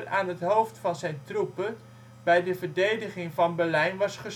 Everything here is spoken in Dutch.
aan het hoofd van zijn troepen bij de verdediging van Berlijn was